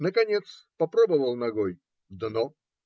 Наконец попробовал ногой - дно.